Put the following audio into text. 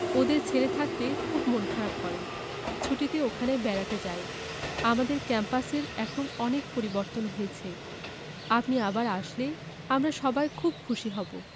ওদের ছেড়ে থাকতে খুব মন খারাপ করে ছুটিতে ওখানে বেড়াতে যাই আমাদের ক্যাম্পাসের এখন অনেক পরিবর্তন হয়েছে আপনি আবার আসলে আমরা সবাই খুব খুশি হব